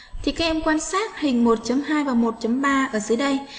quan sát hình chấm và chấm ở dưới đây